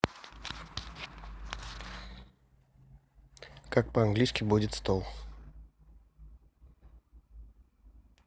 как по английски будет стол